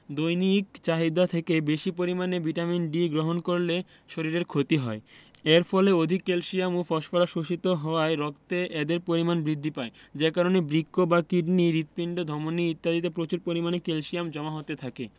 দৈনিক চাহিদা থেকে বেশী পরিমাণে ভিটামিন D গ্রহণ করলে শরীরের ক্ষতি হয় এর ফলে অধিক ক্যালসিয়াম ও ফসফরাস শোষিত হওয়ায় রক্তে এদের পরিমাণ বৃদ্ধি পায় যে কারণে বৃক্ক বা কিডনি হৃৎপিণ্ড ধমনি ইত্যাদিতে প্রচুর পরিমাণে ক্যালসিয়াম জমা হতে থাকে